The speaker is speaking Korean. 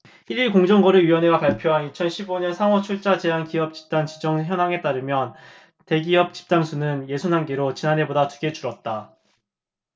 일 일 공정거래위원회가 발표한 이천 십 오 년 상호출자제한기업집단 지정현황에 따르면 대기업 집단수는 예순 한 개로 지난해보다 두 개 줄었다